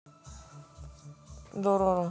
дороро